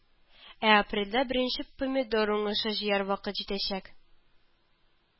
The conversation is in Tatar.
Ә апрельдә беренче помидор уңышы җыяр вакыт җитәчәк